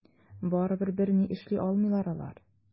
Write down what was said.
Барыбер берни эшли алмыйлар алар.